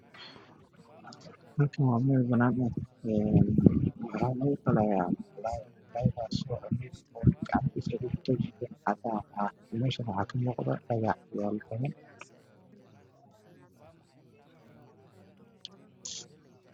Waa meesha lagu iibiyo hilibka kaluunka nin aya kalun haya oo gacanta ku haya oo goynaayo